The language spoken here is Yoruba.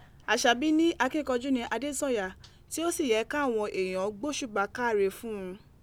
Àṣàbí ni akinkanju ni Adesanya ti o si yẹ kawọn eeyan gboṣuba kaare fun un.